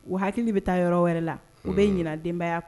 U hakili bɛ taa yɔrɔ wɛrɛ la u bɛ ɲin denbayaya